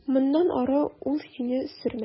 Моннан ары ул сине сөрмәс.